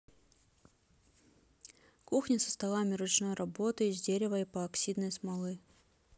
кухня со столами ручной работы из дерева и по оксидной смолы